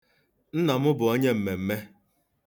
Nna m bụ onye mmemme.